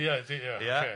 Ia 'di... Ia... Ia?. ...ocê.